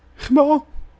Chimod.